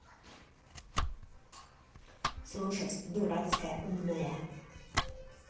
слушать дурацкая умная